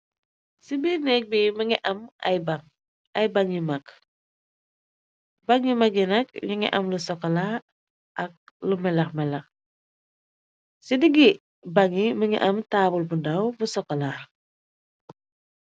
ci mbir nekk bi mingi am ayi baag ayi banyi yu mag, bangyi mag yi nak mingi am lu sokola ak lu melax melax ci diggi bagi mingi am taabul bu ndaw bu sokola.